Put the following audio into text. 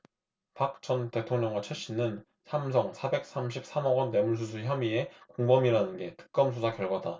박 전 대통령과 최씨는 삼성 사백 삼십 삼 억원 뇌물수수 혐의의 공범이라는 게 특검 수사 결과다